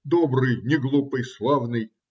Добрый, неглупый, славный.